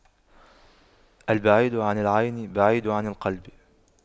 البعيد عن العين بعيد عن القلب